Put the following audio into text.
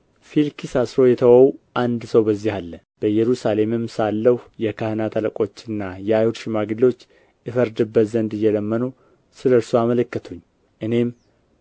ፊልክስ አስሮ የተወው አንድ ሰው በዚህ አለ በኢየሩሳሌምም ሳለሁ የካህናት አለቆችና የአይሁድ ሽማግሌዎች እፈርድበት ዘንድ እየለመኑ ስለ እርሱ አመለከቱኝ እኔም